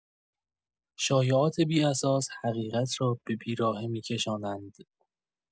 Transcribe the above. شایعات بی‌اساس، حقیقت را به بیراهه می‌کشانند.